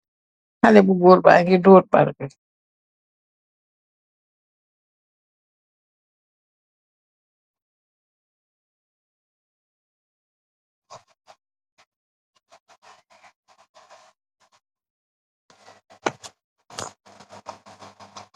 Xali bu goor ba ngi dóór bal bi.